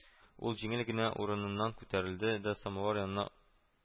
Ул җиңел генә урыныннан күтәрелде дә самавыр яныннан